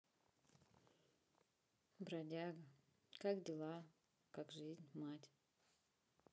бродяга как дела как жизнь как мать